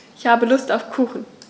Ich habe Lust auf Kuchen.